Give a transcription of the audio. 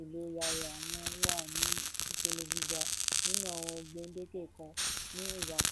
ìlọ́yàyà wọn wà ní ìpele gíga, nínú àwọn gbèǹdéke kan." ní ìgbà kan náà.